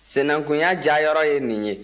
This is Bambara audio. sinankunya diyayɔrɔ ye nin ye